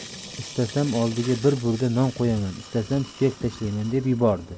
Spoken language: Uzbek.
istasam oldiga bir burda non qo'yaman istasam suyak tashlayman deb yubordi